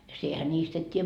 ja sinähän niistä et tiedä